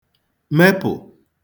mepụ̀